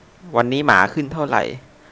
วันนี้หมาขึ้นเท่าไหร่